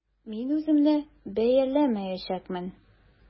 Мин үземне бәяләмәячәкмен.